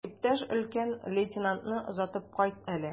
Иптәш өлкән лейтенантны озатып кайт әле.